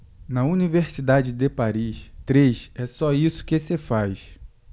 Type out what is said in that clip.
na universidade de paris três é só isso que se faz